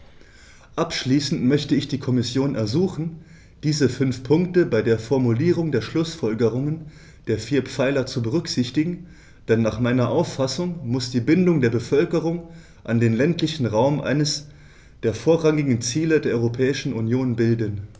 Abschließend möchte ich die Kommission ersuchen, diese fünf Punkte bei der Formulierung der Schlußfolgerungen der vier Pfeiler zu berücksichtigen, denn nach meiner Auffassung muss die Bindung der Bevölkerung an den ländlichen Raum eines der vorrangigen Ziele der Europäischen Union bilden.